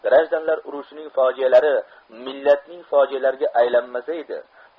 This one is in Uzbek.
grajdanlar urushining fojialari millatning fojialariga aylanmasaydi